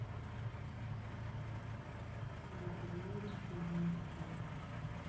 смотреть жмурки